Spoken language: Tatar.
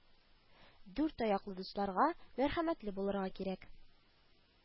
Дүрт аяклы дусларга мəрхəмəтле булырга кирəк,